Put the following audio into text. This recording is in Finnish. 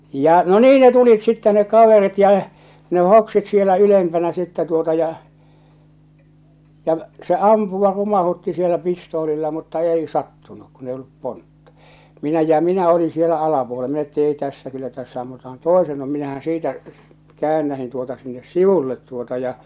ja no niin ne tulivat sitten ne kaverit ja ne hoksivat siellä ylempänä sitten tuota ja ja se ampua rumautti siellä pistoolilla mutta ei sattunut kun ei ollut pontta minä ja minä olin siellä - minä että ei tässä kyllä tässä ammutaan toisemme minähän siitä käännähdin tuota sinne sivulle tuota ja